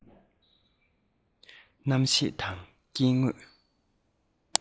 གནམ གཤིས དང སྐྱེ དངོས